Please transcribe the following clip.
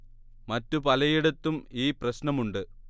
മറ്റ് പലയിടത്തും ഈ പ്രശ്നം ഉണ്ട്